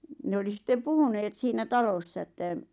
ne oli sitten puhuneet siinä talossa että